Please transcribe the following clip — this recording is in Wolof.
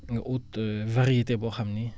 nga ut variété boo xam ni